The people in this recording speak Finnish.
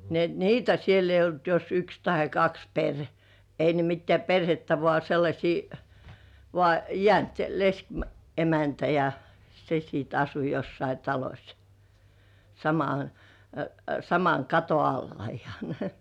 niin että niitä siellä ei ollut jos yksi tai kaksi - ei ne mitään perhettä vaan sellaisia vaan jäänyt - leskiemäntä ja se sitten asui jossakin talossa - saman katon alla ihan